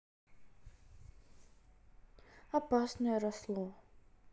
опасное росло